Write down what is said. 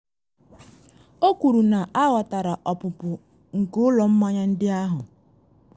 O kwuru na aghọtara ọpụpụ nke ụlọ mmanya ndị ahụ.